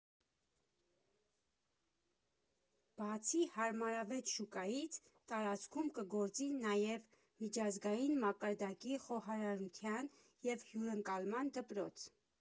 Բացի հարմարավետ շուկայից, տարածքում կգործի նաև միջազգային մակարդակի խոհարարության և հյուրընկալման դպրոց։